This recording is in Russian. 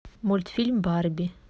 мультфильм барби